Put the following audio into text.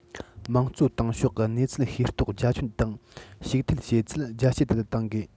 དམངས གཙོའི ཏང ཤོག གི གནས ཚུལ ཤེས རྟོགས རྒྱ ཁྱོན དང ཞུགས ཐེ བྱེད ཚད རྒྱ སྐྱེད དུ བཏང དགོས